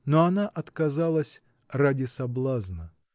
но она отказалась "ради соблазна"